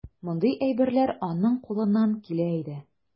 Мондый әйберләр аның кулыннан килә иде.